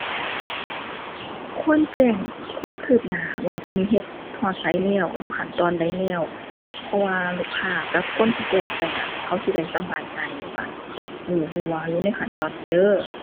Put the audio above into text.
ควรแจ้งความคืบหน้าว่าตอนนี้เฮ็ดฮอดไสแล้ว อยู่ขั้นตอนใดแล้ว เพราะว่าลูกค้ากับคนที่แจ้งไปน่ะเขาสิได้สบายใจว่า เอ้อ รู้ว่าอยู่ในขั้นตอนนี้เด้อ